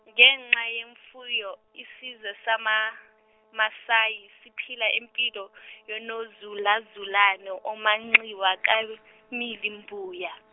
ngenxa yemfuyo isizwe samaMasayi siphila impilo yonozulazulane omanxiwa kamili mbuya.